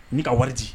N'i ka wari di